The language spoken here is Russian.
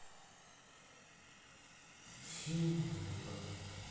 фильм выбор